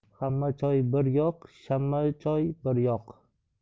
hamma choy bir yoq shamma choy bir yoq